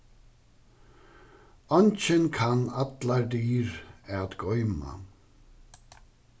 eingin kann allar dyr at goyma